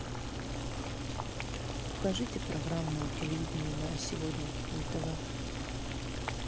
покажите программу телевидения на сегодня нтв